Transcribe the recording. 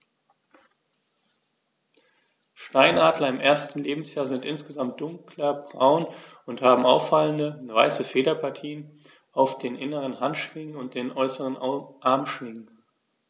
Steinadler im ersten Lebensjahr sind insgesamt dunkler braun und haben auffallende, weiße Federpartien auf den inneren Handschwingen und den äußeren Armschwingen.